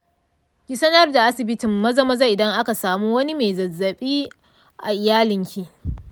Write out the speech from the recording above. ki sanar da asibitin maza maza idan aka samu wani mai zazzafi a iyalanki.